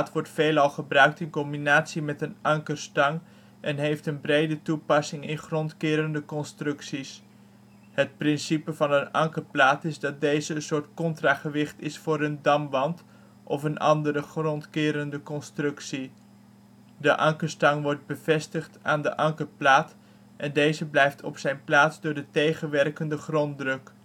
wordt veelal gebruikt in combinatie met een ankerstang en heeft een brede toepassing in grondkerende constructies. Het principe van een ankerplaat is dat deze een soort contragewicht is voor een damwand of een andere grondkerende constructie. De ankerstang word bevestigd aan de ankerplaat en deze blijft op zijn plaats door de tegenwerkende gronddruk